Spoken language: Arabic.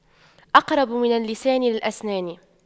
أقرب من اللسان للأسنان